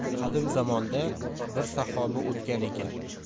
qadim zamonda bir saxoba o'tgan ekan